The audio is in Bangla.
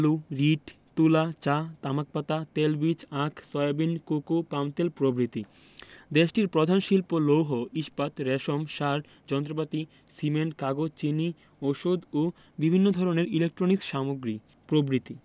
আলু রীট তুলা চা তামাক পাতা তেলবীজ আখ সয়াবিন কোকো পামতেল প্রভৃতি দেশটির প্রধান শিল্প লৌহ ইস্পাত রেশম সার যন্ত্রপাতি সিমেন্ট কাগজ চিনি ঔষধ ও বিভিন্ন ধরনের ইলেকট্রনিক্স সামগ্রী প্রভ্রিতি